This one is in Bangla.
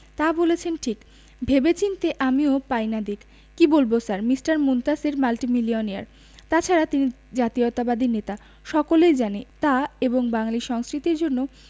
তা বলেছেন ঠিক ভেবে চিন্তে আমিও পাই না দিক কি বলব স্যার মিঃ মুনতাসীর মাল্টিমিলিওনিয়ার তাছাড়া তিনি জাতীয়তাবাদী নেতা সকলেই জানে তা এবং বাঙালী সংস্কৃতির জন্য